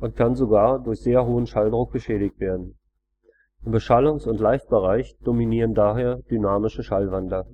kann sogar durch sehr hohen Schalldruck beschädigt werden. Im Beschallungs - und Livebereich dominieren daher dynamische Schallwandler